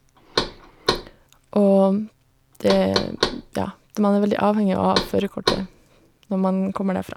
Og, det er ja, så man er veldig avhengig av å ha førerkortet når man kommer derfra.